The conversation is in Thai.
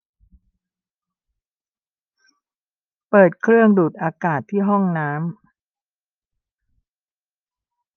เปิดเครื่องดูดอากาศที่ห้องน้ำ